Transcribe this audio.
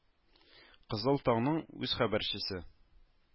Кызыл таң ның үз хәбәрчесе